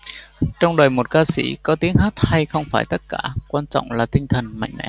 trong đời một ca sĩ có tiếng hát hay không phải tất cả quan trọng là tinh thần mạnh mẽ